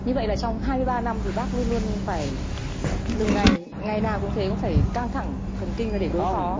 như vậy là trong hai mươi ba năm thì bác luôn luôn phải từng ngày ngày nào cũng thế cũng phải căng thẳng thần kinh ra để đối phó